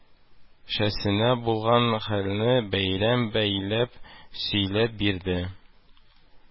Шесенә булган хәлне бәйнә-бәйнә сөйләп бирде